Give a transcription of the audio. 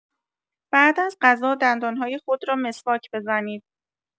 بعد از غذا دندان‌های خود را مسواک بزنید.